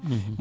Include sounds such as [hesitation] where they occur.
[hesitation] [hesitation]